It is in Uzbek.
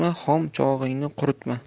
unutma xom chorig'ingni quritma